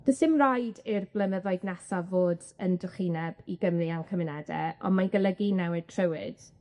Do's dim raid i'r blynyddoedd nesaf fod yn drychineb i Gymru a'n cymunede, on mae'n golygu newid trywydd.